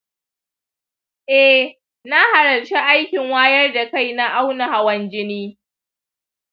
eh, na halarci aikin wayar da kai na auna hawan jini.